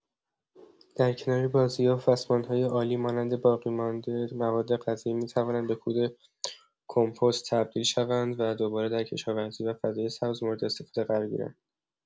در کنار بازیافت، پسماندهای آلی مانند باقی‌مانده موادغذایی می‌توانند به کود کمپوست تبدیل شوند و دوباره در کشاورزی و فضای سبز مورداستفاده قرار گیرند.